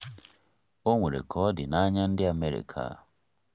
O nwere ka ọ dị n'anya ndị America.